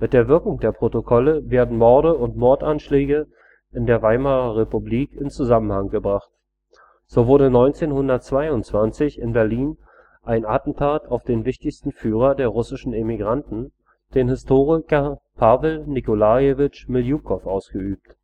der Wirkung der Protokolle werden Morde und Mordanschläge in der Weimarer Republik in Zusammenhang gebracht. So wurde 1922 in Berlin ein Attentat auf den wichtigsten Führer der russischen Emigranten, den Historiker Pawel Nikolajewitsch Miljukow, ausgeübt